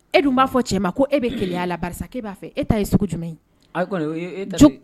E dun b'a fɔ cɛ ma ko e bɛ keleya a la barisa ko e ba fɛ. E ta ye sugu jumɛn ye? Ayi o kɔni